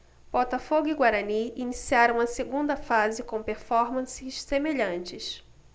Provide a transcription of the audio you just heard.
botafogo e guarani iniciaram a segunda fase com performances semelhantes